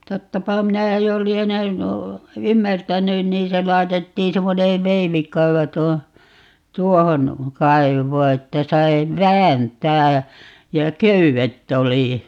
tottapa minä jo lienen ymmärtänyt niin se laitettiin semmoinen veivikaivo tuohon tuohon kaivoon että sai vääntää ja ja köydet oli